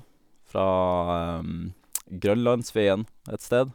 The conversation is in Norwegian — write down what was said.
Fra Grønlandsvegen et sted.